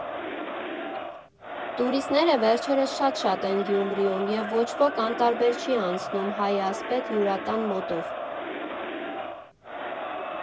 Տուրիստները վերջերս շատ֊շատ են Գյումրում, և ոչ ոք անտարբեր չի անցնում «Հայ Ասպետ» հյուրատան մոտով։